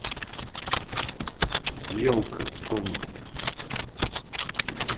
елка комната